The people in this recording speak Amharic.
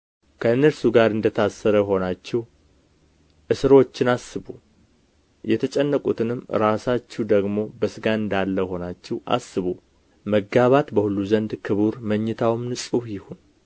ከእነርሱ ጋር እንደ ታሰረ ሆናችሁ እስሮችን አስቡ የተጨነቁትንም ራሳችሁ ደግሞ በሥጋ እንዳለ ሆናችሁ አስቡ መጋባት በሁሉ ዘንድ ክቡር መኝታውም ንጹሕ ይሁን